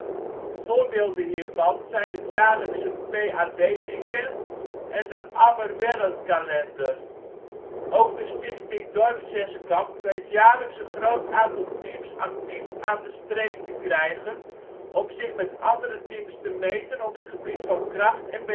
Voorbeelden hiervan zijn het jaarlijkse PAD-weekend en de AmmerWellerKalender. Ook de Stichting Dorpszeskamp weet jaarlijks een groot aantal teams actief aan de streep te krijgen om zich met andere teams te meten op het gebied van kracht en behendigheid